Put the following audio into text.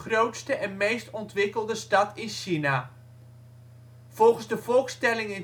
en meest ontwikkelde stad in China. Volgens de volkstelling